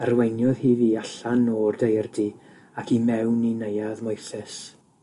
Arweiniodd hi fi allan o'r daeardy ac i mewn i neuadd moethus.